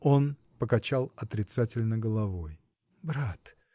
Он покачал отрицательно головой. — Брат!